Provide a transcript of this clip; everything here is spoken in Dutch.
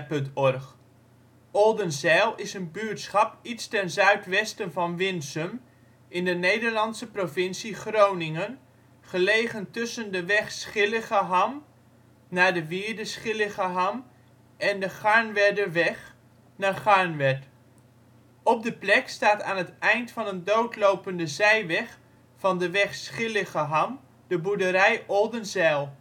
OL Oldenzijl is een buurtschap iets ten zuidwesten van Winsum in de Nederlandse provincie Groningen, gelegen tussen de weg Schilligeham (naar de wierde Schilligeham) en de Garnwerderweg (naar Garnwerd). Op de plek staat aan het eind van een doodlopende zijweg van de weg Schilligeham de boerderij Oldenzijl